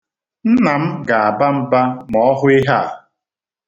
Nna m ga-aba mba ma ọ hụ ihe a.